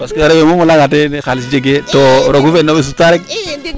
parce que rew we moom o leya nga moom de xalis jege to roog fu feed na owey sutaa rek